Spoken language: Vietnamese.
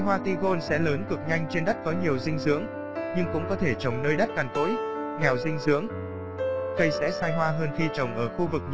cây hoa tigon sẽ lớn cực nhanh trên đất có nhiều dinh dưỡng nhưng cũng có thể trồng nơi đất cằn cỗi nghèo dinh dưỡng cây sẽ sai hoa hơn khi trồng ở khu vực nhiều nắng